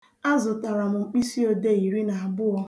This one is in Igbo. A zụtara m mkpịsịodee iri na abụọ